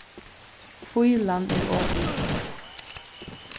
fílan er opin